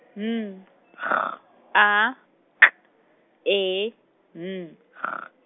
N G A K E N G .